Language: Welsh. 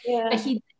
Ia... Felly...